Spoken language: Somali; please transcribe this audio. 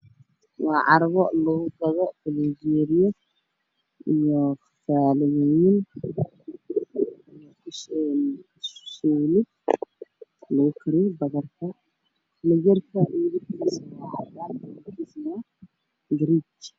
Waa carwo lugu gado faranjiyeero, qasaalado, digsiyo, qasaaladaha waa cadaan, faranjiyeerka waa garee.